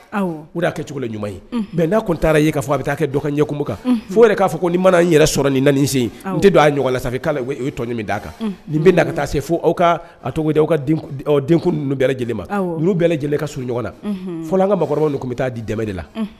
N' tun taara fɔ a bɛ kɛ ɲɛkun kan fo k'a fɔ ni mana yɛrɛ sɔrɔ ni nan don ɲɔgɔnla sami d'a kan bɛ na taa se fo aw ka tɔgɔ kau bɛ lajɛlen ma nu bɛɛ lajɛlen ka so ɲɔgɔn na fo an ka makɔrɔbaw ninnu tun bɛ taa di dɛmɛ de la